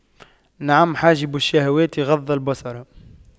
نعم حاجب الشهوات غض البصر